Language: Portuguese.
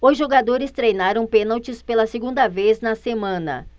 os jogadores treinaram pênaltis pela segunda vez na semana